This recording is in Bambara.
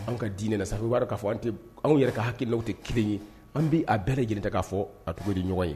Anw ka dinɛ na sa'a k'a fɔ tɛ anw yɛrɛ ka hakil tɛ kelen ye an bɛ a bɛɛ lajɛlen ta k'a fɔ a tugu di ɲɔgɔn ye